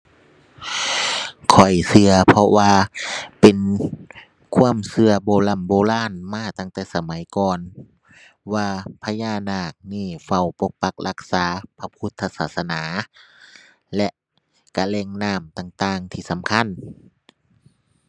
ข้อยเชื่อ เพราะว่าเป็นความเชื่อโบร่ำโบราณมาตั้งแต่สมัยก่อน ว่าพญานาคนี้เฝ้าปกปักรักษาพระพุทธศาสนา และเชื่อแหล่งน้ำต่างต่างที่สำคัญ